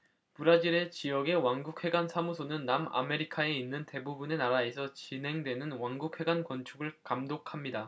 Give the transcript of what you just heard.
브라질의 지역 왕국회관 사무소는 남아메리카에 있는 대부분의 나라에서 진행되는 왕국회관 건축을 감독합니다